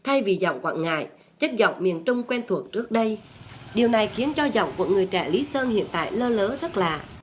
thay vì giọng quảng ngãi chất giọng miền trung quen thuộc trước đây điều này khiến cho giọng của người trẻ lý sơn hiện tại lơ nớ rất lạ